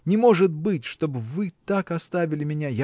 Не может быть, чтоб вы так оставили меня.